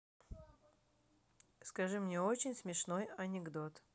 скажи мне очень смешной анекдот